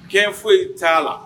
Kɛ foyi t'a la